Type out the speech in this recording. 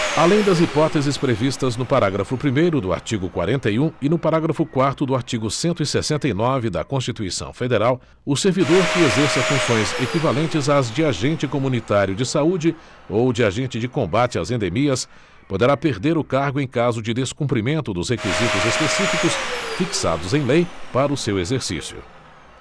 além das hipóteses previstas no parágrafo primeiro do artigo quarenta e um e no parágrafo quarto do artigo cento e sessenta e nove da constituição federal o servidor que exerça funções equivalentes às de agente comunitário de saúde ou de agente de combate às endemias poderá perder o cargo em caso de descumprimento dos requisitos específicos fixados em lei para o seu exercício